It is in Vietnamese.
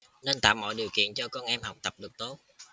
nên tạo mọi điều kiện cho con em học tập được tốt